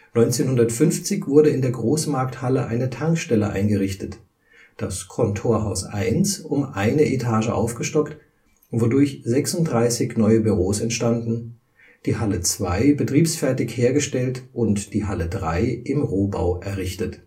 1950 wurde in der Großmarkthalle eine Tankstelle eingerichtet, das Kontorhaus I um eine Etage aufgestockt, wodurch 36 neue Büros entstanden, die Halle 2 betriebsfertig hergestellt und die Halle 3 im Rohbau errichtet